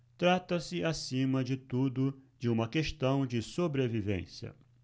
trata-se acima de tudo de uma questão de sobrevivência